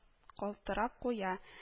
Калтырап куя